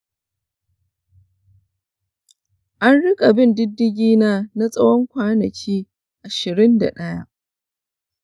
an rika bin diddigi na na tsawon kwanaki ashirin da ɗaya.